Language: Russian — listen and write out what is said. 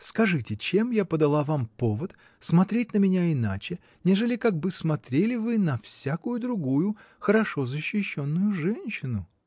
Скажите, чем я подала вам повод смотреть на меня иначе, нежели как бы смотрели вы на всякую другую, хорошо защищенную женщину?